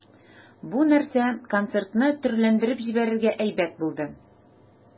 Бу нәрсә концертны төрләндереп җибәрергә әйбәт булды.